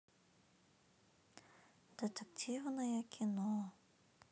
детективное кино